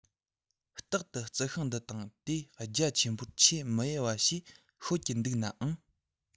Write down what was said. རྟག ཏུ རྩི ཤིང འདི དང དེ རྒྱ ཆེན པོར མཆེད མི འོས པ ཞེས ཤོད ཀྱི འདུག ནའང